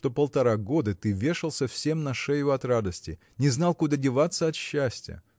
что полтора года ты вешался всем на шею от радости не знал куда деваться от счастья!